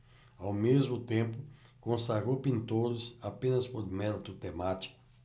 ao mesmo tempo consagrou pintores apenas por mérito temático